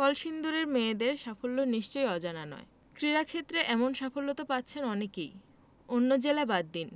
কলসিন্দুরের মেয়েদের সাফল্য নিশ্চয়ই অজানা নয় ক্রীড়াক্ষেত্রে এমন সাফল্য তো পাচ্ছেন অনেকেই অন্য জেলা বাদ দিন